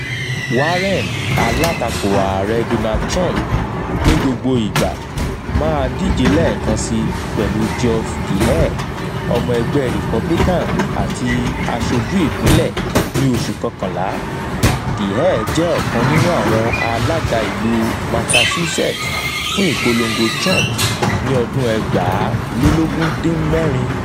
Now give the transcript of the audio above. Warren, alátakò Ààrẹ Donald Trump ní gbogbo ìgbà, máa díjẹ lẹ́ẹ̀kan si pẹ̀lú Geoff Diehl , ọmọ ẹgbẹ́ Republican àti aṣojú ìpínlẹ̀ ní oṣù kọkànlá. Diehl jẹ́ ọ̀kan nínú àwọn alága ní ìlú Massachusetts fún ìpolongo Trump ní 2016.